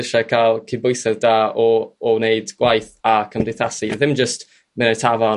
isie ca'l cydbwysedd da o, o 'neud gwaith a cymdeithasu ddim jyst mynd i'r tafarn